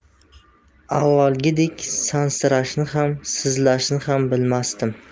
avvalgidek sansirashni ham sizlashni ham bilmasdim